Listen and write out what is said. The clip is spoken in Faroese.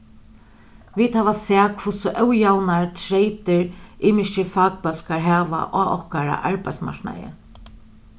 vit hava sæð hvussu ójavnar treytir ymiskir fakbólkar hava á okkara arbeiðsmarknaði